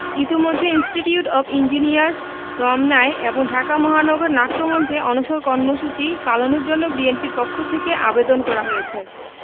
ইতোমধ্যে institute of engineers রমনায় এবং ঢাকা মহানগর নাট্যমঞ্চে অনশন কর্মসূচি পালনের জন্য বিএনপির পক্ষ থেকে আবেদন করা হয়েছে